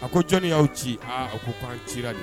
A ko jɔn y'aw ci aa a ko ko ci